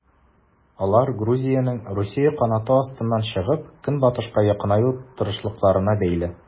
Алар Грузиянең Русия канаты астыннан чыгып, Көнбатышка якынаю тырышлыкларына бәйле.